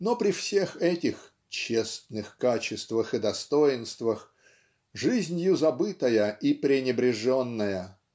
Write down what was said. но при всех этих "честных качествах и достоинствах" жизнью забытая и пренебреженная.